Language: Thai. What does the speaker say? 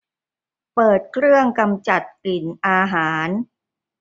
เปิดเครื่องกำจัดกลิ่นอาหาร